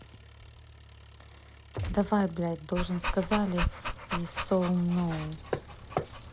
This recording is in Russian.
давай блядь должен сказали y so мной